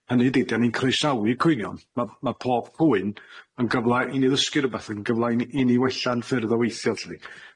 Hynny ydi 'da ni'n croesawu cwynion, ma' ma' pob gwyn yn gyfla i ni ddysgu rwbath, yn gyfla i ni i ni wella'n ffyrdd o weithio 'lly.